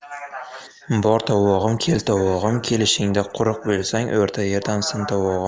bor tovog'im kel tovog'im kelishingda quruq bo'lsang o'rta yerda sin tovog'im